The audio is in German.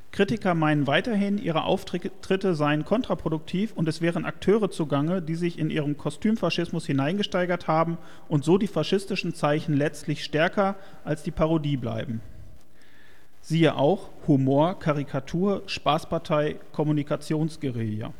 Kritiker meinen weiterhin, ihre Auftritte seien kontraproduktiv, und es wären Akteure zugange, die sich in ihren „ Kostümfaschismus “hineingesteigert haben und so die faschistischen Zeichen letztlich stärker als die Parodie blieben. Siehe auch: Humor, Karikatur, Spaßpartei, Kommunikationsguerilla